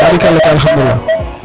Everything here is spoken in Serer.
barikala kay alhamdulila